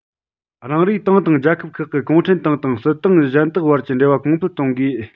རང རེའི ཏང དང རྒྱལ ཁབ ཁག གི གུང ཁྲན ཏང དང སྲིད ཏང གཞན དག བར གྱི འབྲེལ བ གོང འཕེལ གཏོང དགོས